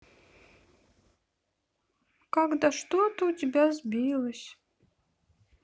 когда что то у тебя сбилось